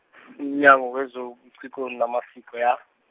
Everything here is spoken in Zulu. uMnyango wezoBuciko naMasiko .